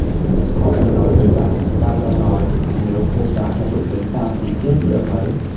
có em nói với bạn ba tao nói nếu cô giáo mà đụng đến tao thì chết với ông ấy